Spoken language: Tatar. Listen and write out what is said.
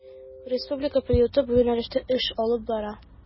Республика приюты бу юнәлештә эш алып бара.